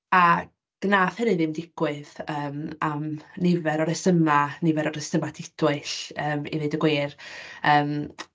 A gwnaeth hynny ddim digwydd yym am nifer o resymau. Nifer o resymau didwyll yym i ddweud y gwir, yym...